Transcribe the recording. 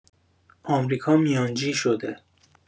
آمریکا میانجی شده